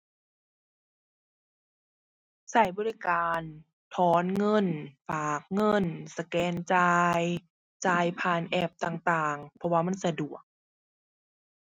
ใช้บริการถอนเงิน ฝากเงิน สแกนจ่าย จ่ายผ่านแอปต่างต่าง เพราะว่ามันสะดวก